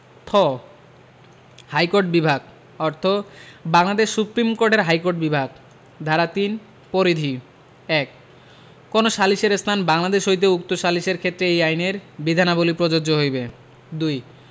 থ হাইকোর্ট বিভাগ অর্থ বাংলাদেশ সুপ্রীম কোর্টের হাইকোর্ট বিভাগ ধারা ৩ পরিধি ১ কোন সালিসের স্থান বাংলাদেশ হইলে উক্ত সালিসের ক্ষেত্রে এই আইনের বিধানাবলী প্রযোজ্য হইবে ২